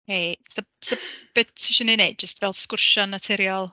Hei, so b- so b- be t' isio i ni wneud, jyst fel sgwrsio'n naturiol?